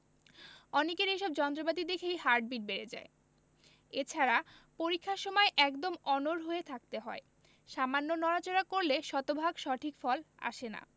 অনেকের এসব যন্ত্রপাতি দেখেই হার্টবিট বেড়ে যায় এছাড়া পরীক্ষার সময় একদম অনড় হয়ে থাকতে হয় সামান্য নড়াচড়া করলে শতভাগ সঠিক ফল আসে না